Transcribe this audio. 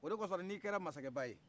o de kosɔn n'i kɛra masakɛba ye